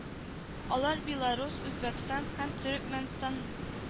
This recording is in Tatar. Алар беларус үзбәкстан һәм төрекмәнстан